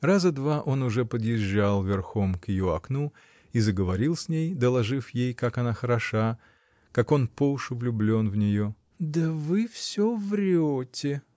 Раза два он уже подъезжал верхом к ее окну и заговорил с ней, доложив ей, как она хороша, как он по уши влюблен в нее. — Да вы всё вре-те!